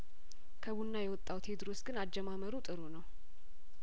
ከቡና የወጣው ቴድሮስ ግን አጀማመሩ ጥሩ ነው